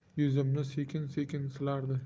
yuzimni sekin sekin silardi